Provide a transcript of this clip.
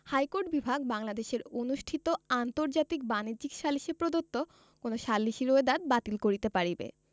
high court বিভাগ বাংলাদেশের অনুষ্ঠিত আন্তর্জাতিক বাণিজ্যিক সালিসে প্রদত্ত কোন সালিসী রোয়েদাদ বাতিল করিতে পারিবে